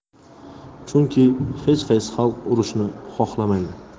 chunki hech qaysi xalq urushni xohlamaydi